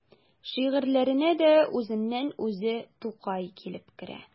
Шигырьләренә дә үзеннән-үзе Тукай килеп керә.